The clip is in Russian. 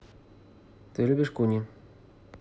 ты любишь куни